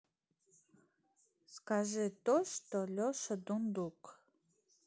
скажи то что леша дундук